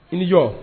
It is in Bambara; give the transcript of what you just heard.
I nijɔ